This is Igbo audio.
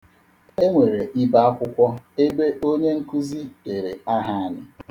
E nwere ibe akwụkwọ ebe onye nkụzi dere aha anyị.